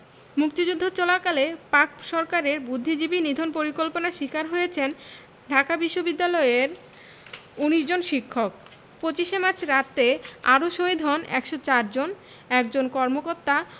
মুক্তিযুদ্ধকালে পাক সরকারের বুদ্ধিজীবী নিধন পরিকল্পনার শিকার হয়েছেন ঢাকা বিশ্ববিদ্যালয়ের ১৯ জন শিক্ষক ২৫ মার্চ রাতে আরো শহীদ হন ১০৪ জন ছাত্র ১ জন কর্মকর্তা